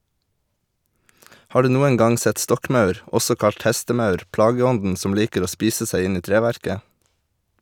Har du noen gang sett stokkmaur, også kalt hestemaur, plageånden som liker å spise seg inn i treverket?